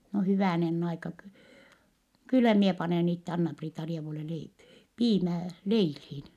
no hyvänen aika - kyllä minä panen itse Anna-Priita-rievule - piimää leiliin